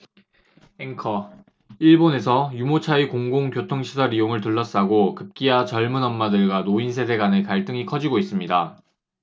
앵커 일본에서 유모차의 공공 교통시설 이용을 둘러싸고 급기야 젊은 엄마들과 노인 세대 간의 갈등이 커지고 있습니다